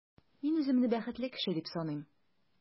Мин үземне бәхетле кеше дип саныйм.